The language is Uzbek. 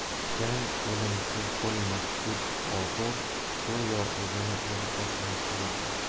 jang o'limsiz bo'lmas deb bobur go'yo o'zini o'zi bosmoqchi bo'ldi